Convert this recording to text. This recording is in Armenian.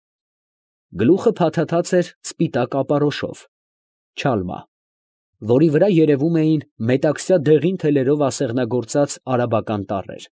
Գլուխը փաթաթած էր սպիտակ ապարոշով (չալմա), որի վրա երևում էին մետաքսյա դեղին թելերով ասեղնագործած արաբական տառեր։